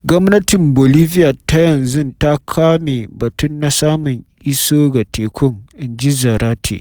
“Gwamnatin Bolivia ta yanzun ta kame batun na samun iso ga tekun,” inji Zárate.